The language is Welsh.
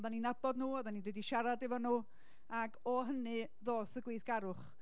oedden ni'n nabod nhw, oedden ni'n dod i siarad efo nhw, ac o hynny ddoth y gweithgarwch.